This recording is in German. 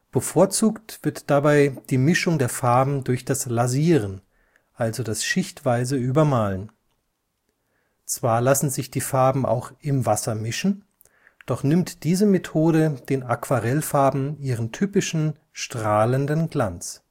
Bevorzugt wird dabei die Mischung der Farben durch das Lasieren, also das schichtweise Übermalen. Zwar lassen sich die Farben auch im Wasser mischen, doch nimmt diese Methode den Aquarellfarben ihren typischen, strahlenden Glanz